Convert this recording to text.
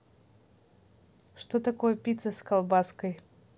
что такое пицца с колбаской